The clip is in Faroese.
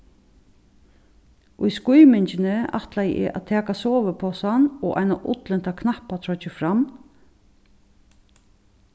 í skýmingini ætlaði eg at taka soviposan og eina ullinta knappatroyggju fram